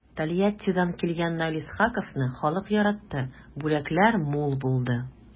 Тольяттидан килгән Наил Исхаковны халык яратты, бүләкләр мул булды.